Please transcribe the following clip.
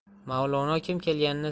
mavlono kim kelganini